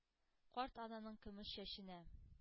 Карт ананың көмеш чәченә